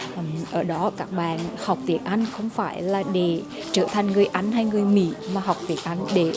ở đó các bạn học tiếng anh không phải là để trở thành người anh hay người mỹ mà học tiếng anh để